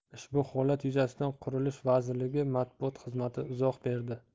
ushbu holat yuzasidan qurilish vazirligi matbuot xizmati izoh berdi